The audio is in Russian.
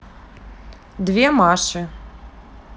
две маши